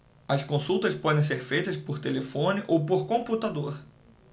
as consultas podem ser feitas por telefone ou por computador